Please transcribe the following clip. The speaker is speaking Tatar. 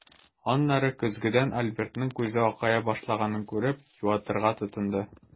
Аннары көзгедән Альбертның күзе акая башлаганын күреп, юатырга тотынды.